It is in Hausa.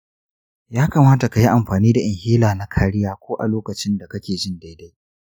ya kamata kayi amfani da inhaler na kariya ko a lokacin da kake jin daidai.